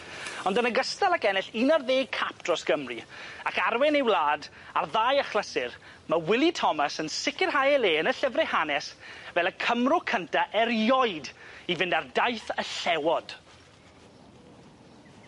Ond yn ogystal ag ennill un ar ddeg cap dros Gymru ac arwen ei wlad ar ddau achlysur ma' Willy Thomas yn sicirhau ei le yn y llyfre hanes fel y Cymro cynta erioed i fynd ar daith y llewod.